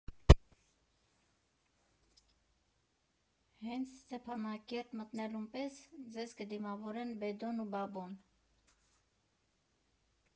Հենց Ստեփանակերտ մտնելուն պես ձեզ կդիմավորեն «Դեդոն ու Բաբոն»։